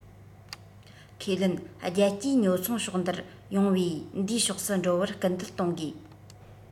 ཁས ལེན རྒྱལ སྤྱིའི ཉོ ཚོང ཕྱོགས འདིར ཡོང བའི འདིའི ཕྱོགས སུ འགྲོ བར སྐུལ འདེད གཏོང དགོས